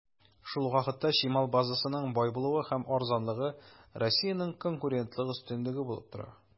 Шул ук вакытта, чимал базасының бай булуы һәм арзанлыгы Россиянең конкурентлык өстенлеге булып тора.